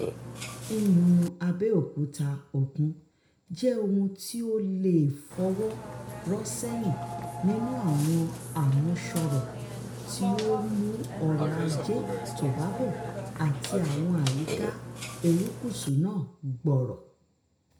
Iyùn-un abẹ́ òkúta òkun jẹ́ ohun tí a ò leè fọwọ́ rọ́ sẹ́yìn nínú àwọn àmúṣọrọ̀ tí ó ń mú ọrọ̀ Ajé Tobago àti àwọn àyíká erékùṣù náà gbòòrò.